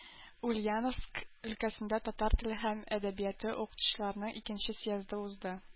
Ульяновск өлкәсендә татар теле һәм әдәбияты укытучыларының икенче съезды узды.